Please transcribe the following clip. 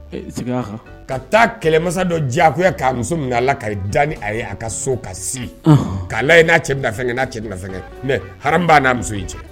Ka taa kɛlɛmasa dɔ diyaya k'a muso min'a la ka da ni a ye a ka so ka sigi k'a la n'a cɛfɛn n'a cɛ bɛnafɛn mɛ ha' n'a muso in cɛ